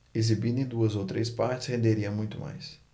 exibida em duas ou três partes renderia muito mais